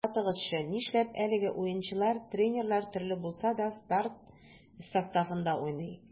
Аңлатыгызчы, нишләп әлеге уенчылар, тренерлар төрле булса да, старт составында уйный?